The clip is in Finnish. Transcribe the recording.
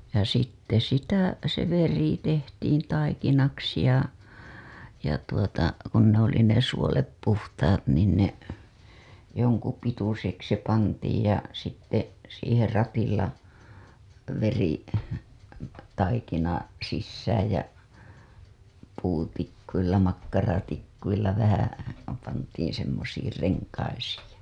ja sitten sitä se veri tehtiin taikinaksi ja ja tuota kun ne oli ne suolet puhtaat niin ne jonkun pituiseksi pantiin ja sitten siihen ratilla - veritaikina sisään ja puutikuilla makkaratikuilla vähän pantiin semmoisiin renkaisiin ja